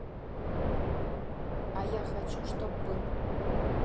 а я хочу чтоб был